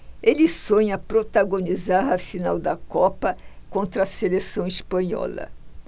ele sonha protagonizar a final da copa contra a seleção espanhola